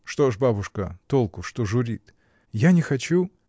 — Что ж, бабушка, толку, что журит? Я не хочу.